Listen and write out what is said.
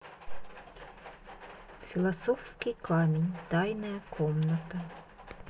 философский камень тайная комната